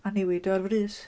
A newid o ar frys.